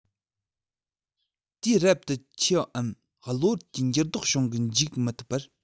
དེས རབ ཏུ ཆེ བའམ གློ བུར གྱི འགྱུར ལྡོག བྱུང གི འཇུག མི ཐུབ པར